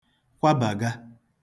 kwabaga